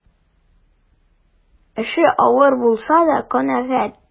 Эше авыр булса да канәгать.